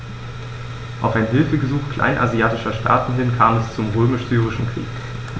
Auf ein Hilfegesuch kleinasiatischer Staaten hin kam es zum Römisch-Syrischen Krieg.